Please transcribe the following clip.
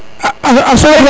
so